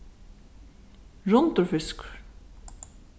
rundur fiskur